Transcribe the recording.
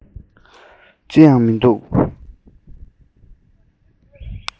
ཅི ཡང མི འདུག